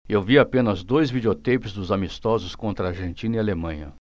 eu vi apenas dois videoteipes dos amistosos contra argentina e alemanha